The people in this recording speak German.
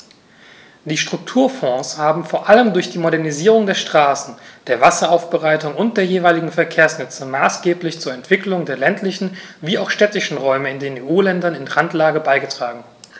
Die Strukturfonds haben vor allem durch die Modernisierung der Straßen, der Wasseraufbereitung und der jeweiligen Verkehrsnetze maßgeblich zur Entwicklung der ländlichen wie auch städtischen Räume in den EU-Ländern in Randlage beigetragen.